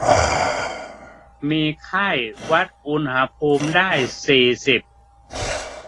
มีไข้วัดอุณหภูมิได้สี่สิบ